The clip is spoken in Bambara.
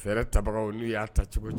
Fɛɛrɛ tabagaw n'u y'a ta cogo